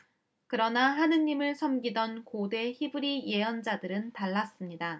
그러나 하느님을 섬기던 고대 히브리 예언자들은 달랐습니다